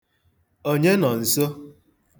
Onye nọ nso?